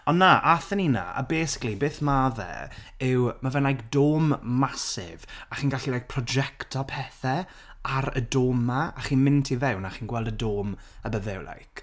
Ond na, aethon ni i 'na a basically, beth ma' fe yw ma' fe like dome massive a chi'n gallu like projectio pethau ar y dome 'ma a chi'n mynd tu fewn a chi'n gweld y dome a but they're like.